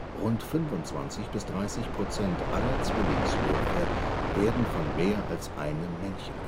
Rund 25 bis 30 % aller Zwillingswürfe werden von mehr als einem Männchen